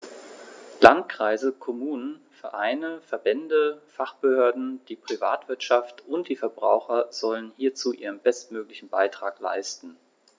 Landkreise, Kommunen, Vereine, Verbände, Fachbehörden, die Privatwirtschaft und die Verbraucher sollen hierzu ihren bestmöglichen Beitrag leisten.